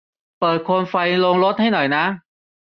เปิดโคมไฟโรงรถให้หน่อยนะ